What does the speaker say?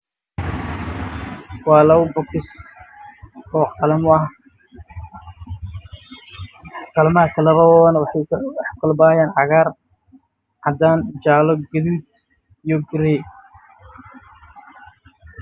Waa labo box oo kala nooc ah